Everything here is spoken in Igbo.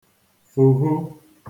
fùhù